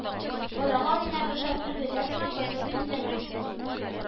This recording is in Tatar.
Балага аена бер тапкыр бирелә торган пособие түләнә